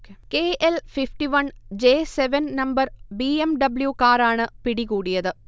KL fifty one J seven number B. M. W കാറാണ് പിടികൂടിയത്